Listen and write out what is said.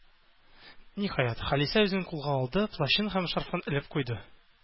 Ниһаять, Халисә үзен кулга алды, плащын һәм шарфын элеп куйды.